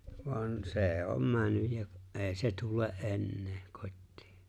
vaan se on mennyt ja ei se tule enää kotiin